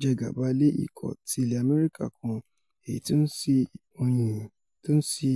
jẹ́ gàba lé ikọ̀ ti ilẹ̀ Amẹrika kan èyití ó ńsì